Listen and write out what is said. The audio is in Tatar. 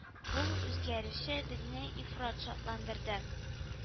Бу үзгәреше безне ифрат шатландырды